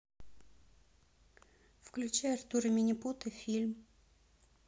включи артур и минипуты фильм